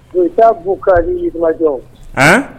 Sunjata'bu' ni niumanjɔ